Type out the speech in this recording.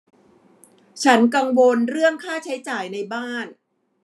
ฉันกังวลเรื่องค่าใช้จ่ายในบ้าน